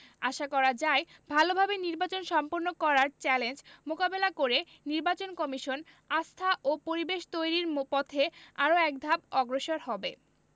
আশা করা যায় ভালোভাবে নির্বাচন সম্পন্ন করার চ্যালেঞ্জ মোকাবেলা করে নির্বাচন কমিশন আস্থা ও পরিবেশ তৈরির পথে আরো একধাপ অগ্রসর হবে